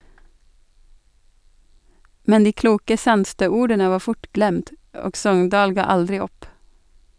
Men de kloke Sandstø-ordene var fort glemt, og Sogndal ga aldri opp.